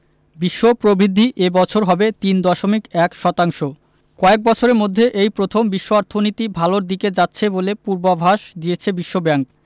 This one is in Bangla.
বিশ্ব প্রবৃদ্ধি এ বছর হবে ৩.১ শতাংশ কয়েক বছরের মধ্যে এই প্রথম বিশ্ব অর্থনীতি ভালোর দিকে যাচ্ছে বলে পূর্বাভাস দিয়েছে বিশ্বব্যাংক